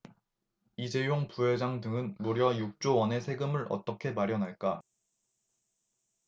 이재용 부회장 등은 무려 육 조 원의 세금을 어떻게 마련할까